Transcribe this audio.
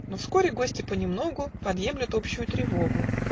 Но вскоре гости понемногу Подъемлют общую тревогу.